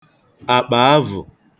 àkpàavụ̀